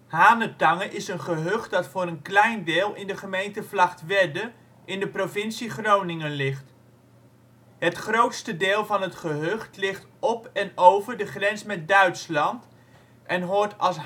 Hanetange is een gehucht dat voor een klein deel in de gemeente Vlagtwedde, in de provincie Groningen ligt. Het grootste deel van het gehucht ligt op en over de grens met Duitsland en hoort als